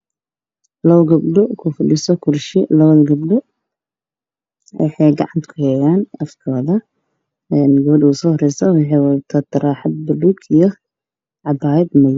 Waa labo gabdho oo kufadhiso kursi waxay gacanta kuhayaan afkooda, gabadha ugu soo horeyso waxay wadataa taraaxad buluug ah iyo xijaab madow.